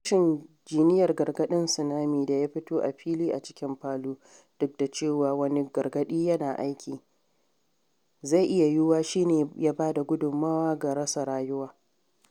Rashin jiniyar gargarɗin tsunami da ya fito a fili a cikin Palu, duk da cewa wani gargaɗi yana aiki, zai iya yiwuwa shi ne ya ba da gudunmawa ga rasa rayuwa.